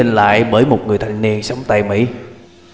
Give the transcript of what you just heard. được ghi hình lại bởi một người thanh niên sống tại mỹ